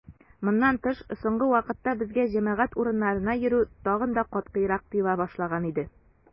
Моннан тыш, соңгы вакытта безгә җәмәгать урыннарына йөрү тагын да катгыйрак тыела башлаган иде.